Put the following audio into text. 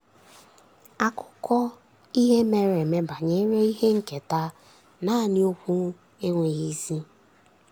Akụkọ ihe mere eme banyere ihe nketa—naanị okwu enweghị isi.